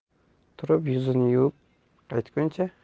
turib yuzini yuvib qaytguncha